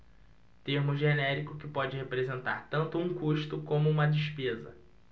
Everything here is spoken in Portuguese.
termo genérico que pode representar tanto um custo como uma despesa